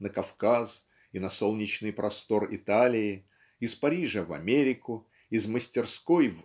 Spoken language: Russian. на Кавказ и на солнечный простор Италии из Парижа в Америку, из мастерской